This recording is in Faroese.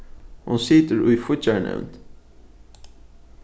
hon situr í fíggjarnevnd